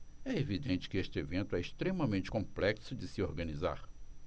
é evidente que este evento é extremamente complexo de se organizar